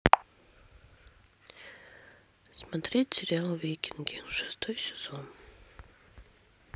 смотреть сериал викинги шестой сезон